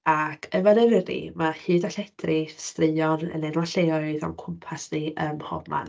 Ac efo Eryri, ma' hyd a lledrith straeon yn enwau lleoedd o'n cwmpas ni ym mhob man.